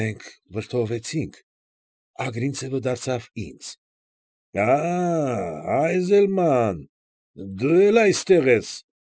Մենք վրդովվեցինք։ Ագրինցևը դարձավ ինձ. ֊ Աա՜, Այզելմա՛ն, դու էլ այստե՞ղ ես։